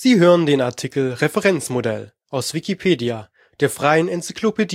hören den Artikel Referenzmodell, aus Wikipedia, der freien Enzyklopädie